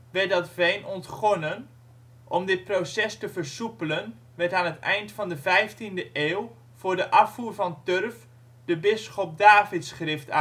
werd dat veen ontgonnen, om dit proces te versoepelen werd aan het eind van de 15e eeuw voor de afvoer van turf de Bisschop Davidsgrift aangelegd